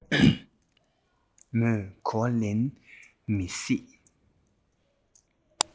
མོས གོ བ ལོན མི སྲིད